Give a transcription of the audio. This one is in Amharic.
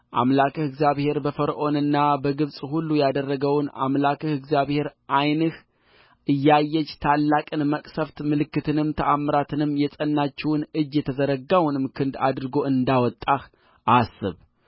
አምላክህ እግዚአብሔር በፈርዖንና በግብፅ ሁሉ ያደረገውንአምላክህ እግዚአብሔር ዓይንህ እያየች ታላቅን መቅሠፍት ምልክትንም ተአምራትንም የጸናችውን እጅ የተዘረጋውንም ክንድ አድርጎ እንዳወጣህ አስብ